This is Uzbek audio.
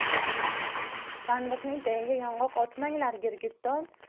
sandiqning tagiga yong'oq otmanglar girgitton